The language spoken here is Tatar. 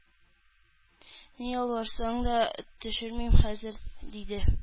Ни ялварсаң да төшермим хәзер! — диде.